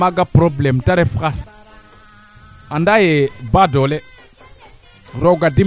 wala o xaana fo o xaana nan nen keene aussi nu nange jega jafe jafe no kaaga